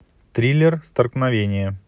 триллер столкновение